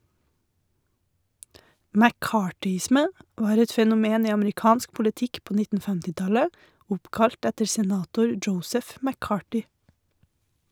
«McCarthyisme» var et fenomen i amerikansk politikk på 1950-tallet, oppkalt etter senator Joseph McCarthy.